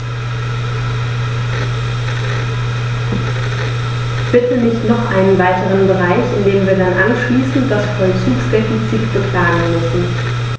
Bitte nicht noch einen weiteren Bereich, in dem wir dann anschließend das Vollzugsdefizit beklagen müssen.